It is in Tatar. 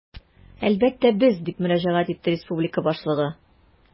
Әлбәттә, без, - дип мөрәҗәгать итте республика башлыгы.